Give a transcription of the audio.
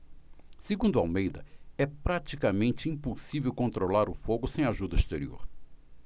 segundo almeida é praticamente impossível controlar o fogo sem ajuda exterior